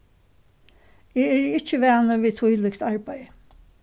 eg eri ikki vanur við tílíkt arbeiði